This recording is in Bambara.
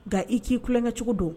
Nka i k'i tulon kɛ cogo don